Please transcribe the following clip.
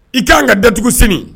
I kan ka datugu sini.